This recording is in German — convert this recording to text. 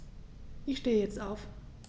Ich stehe jetzt auf.